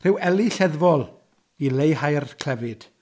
Rhyw eli lleddfol i leihau'r clefyd.